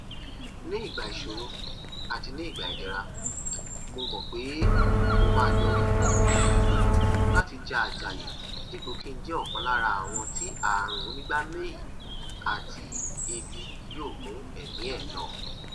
Nígbà ìṣòro àti nígbà ìdẹ̀ra, mo mọ̀ pé mo máà yọrí, mo pinnu láti ja àjàyè dípò kí n jẹ́ ọ̀kan lára àwọn tí àrun onígbá-méì tàbí ebi yóò mú ẹ̀mí ẹ̀ lọ.